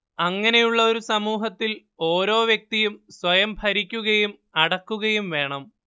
അങ്ങനെയുള്ള ഒരു സമുഹത്തിൽ ഒരോ വ്യക്തിയും സ്വയം ഭരിക്കുകയും അടക്കുകയും വേണം